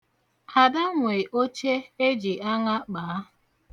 Ada nwe oche eji aṅa kpaa.